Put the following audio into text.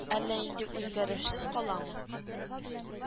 Әллә инде үзгәрешсез каламы;